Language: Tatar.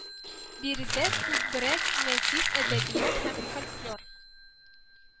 Биредә күб рәк нәфис әдәбият һәм фольклор